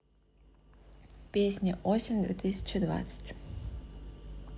песни осень две тысячи двадцать